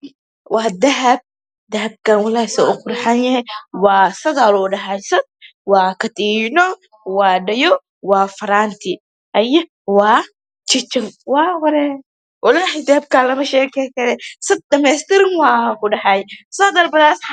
Waa dahab dahabkan walahi Soo u qurxan yahay lee waa sada lu dhahay Saad waa katiino waa dhago waa faraanti hye waa jinjin waa wareey walahi dahabkan laga ma sheekeyn karo sad dhabeys tiraan waya ku dhahay Soo dalbada asxabta